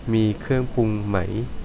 มีเครื่องปรุงไหม